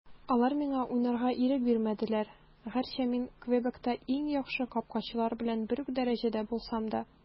Алар миңа уйнарга ирек бирмәделәр, гәрчә мин Квебекта иң яхшы капкачылар белән бер үк дәрәҗәдә булсам да.